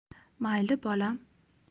mayli bolam